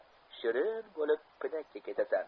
shirin bo'lib pinakka ketasan